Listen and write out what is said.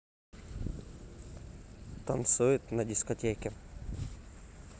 танцует на дискотеке